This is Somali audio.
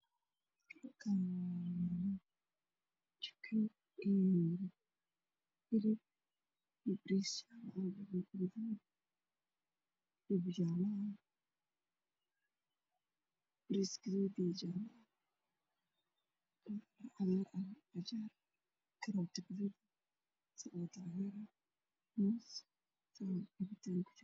Halkaan waxaa ka muuqdo saxan cad oo uu ku jiro baasto hilib maalaay iyo qudaar